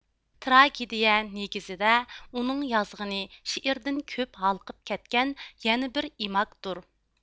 تىراگىدىيە نېگىزىدە ئۇنىڭ يازغىنى شېئىردىن كۆپ ھالقىپ كەتكەن يەنە بىر ئىماگدۇر